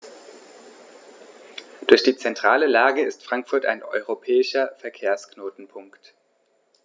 Durch die zentrale Lage ist Frankfurt ein europäischer Verkehrsknotenpunkt.